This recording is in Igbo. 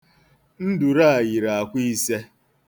Nduru a yiri akwa ise.